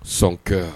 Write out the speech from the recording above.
son coeur